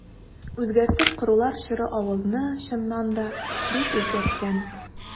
Үзгәртеп корулар чоры авылны, чыннан да, бик үзгәрткән.